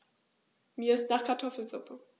Mir ist nach Kartoffelsuppe.